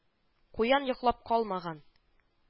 Куян йоклап калмаган